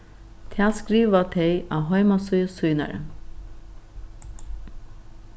tað skriva tey á heimasíðu sínari